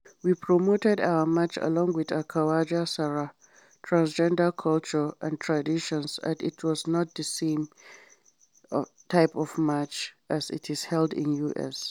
We promoted our march along with our KhawajaSara (transgender) culture and traditions it was not the same type of march as it is held in US.